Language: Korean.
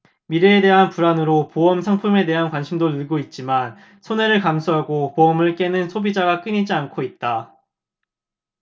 미래에 대한 불안으로 보험 상품에 대한 관심도 늘고 있지만 손해를 감수하고 보험을 깨는 소비자가 끊이지 않고 있다